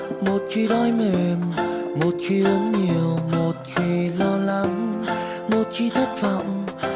một khi đói mềm một khiến nhiều một khi lo lắng một khi thất vọng